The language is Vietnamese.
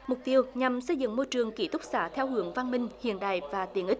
mục tiêu nhằm xây dựng môi trường ký túc xá theo hướng văn minh hiện đại và tiện ích